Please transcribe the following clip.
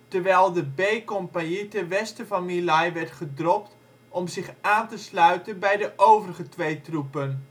terwijl de B-compagnie ten westen van My Lai werd gedropt om zich aan te sluiten bij de overige twee troepen